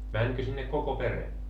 menikö sinne koko perhe